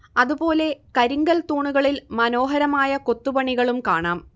അതുപോലെ കരിങ്കൽ തൂണുകളിൽ മനോഹരമായ കൊത്തുപണികളും കാണാം